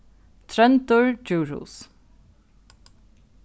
tróndur djurhuus